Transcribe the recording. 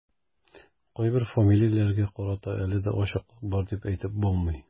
Кайбер фамилияләргә карата әле дә ачыклык бар дип әйтеп булмый.